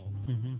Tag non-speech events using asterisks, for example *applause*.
*hesitation* *hesitation*